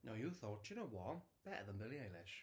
No, you thought; "do you know what? Better than Billie Eilish."